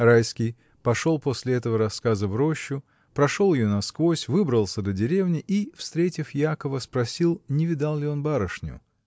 Райский пошел после этого рассказа в рощу, прошел ее насквозь, выбрался до деревни и, встретив Якова, спросил, не видал ли он барышню?